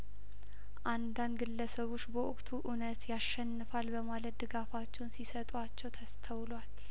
አንዳንድ ግለሰቦች በወቅቱ እውነት ያሸንፋል በማለት ድጋፋቸውን ሲሰጧቸው ተስተውሏል